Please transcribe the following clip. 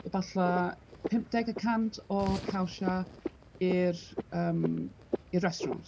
Efallai pumpdeg y cant o'r cawsiau i'r yym i restaurant.